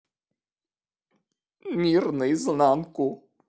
мир наизнанку